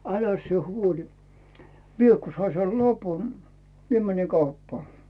äläs sinä huoli minä kun sain sen lapun minä menin kauppaan